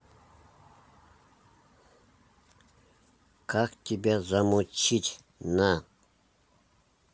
как тебя замучить на